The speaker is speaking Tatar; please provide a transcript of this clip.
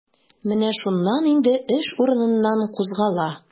Менә шуннан инде эш урыныннан кузгала.